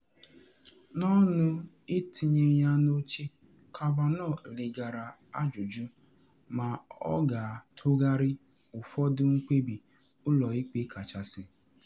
N’ọnụnụ itinye ya n’oche, Kavanaugh leghara ajụjụ ma ọ ga-atụgharị ụfọdụ mkpebi Ụlọ Ikpe Kachasị.